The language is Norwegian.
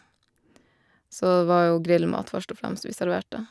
Så det var jo grillmat, først og fremst, vi serverte.